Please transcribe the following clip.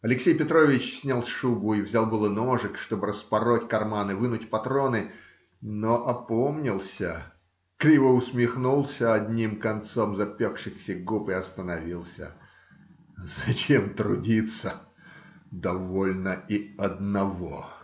Алексей Петрович снял шубу и взял было ножик, чтобы распороть карман и вынуть патроны, но опомнился, криво усмехнулся одним концом запекшихся губ и остановился. - Зачем трудиться? Довольно и одного.